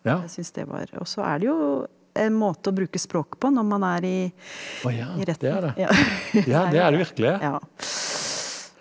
jeg syns det var også er det jo en måte å bruke språket på når man er i i retten ja ja .